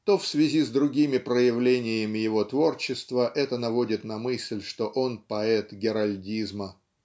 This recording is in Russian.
то в связи с другими проявлениями его творчества это наводит на мысль что он поэт геральдизма.